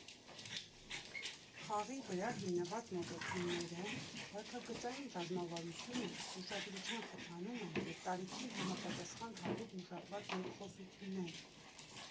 Խաղի վրա հիմնված մոտեցումները, վարքագծային ռազմավարությունը, ուշադրության խթանումը, և տարիքին համապատասխան հատուկ մշակված երկխոսությունները։